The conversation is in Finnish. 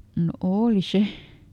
no oli se